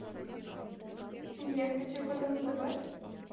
я хочу потанцевать